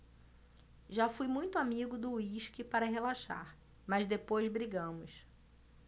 já fui muito amigo do uísque para relaxar mas depois brigamos